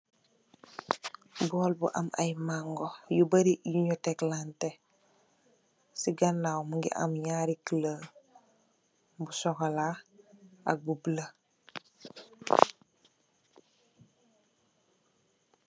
Bool bu am ay mango yu bari yu nung teglantè. Ci ganaaw mungi am ñaari kuloor bu sokola ak bu bulo.